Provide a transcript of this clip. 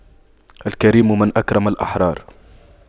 الكريم من أكرم الأحرار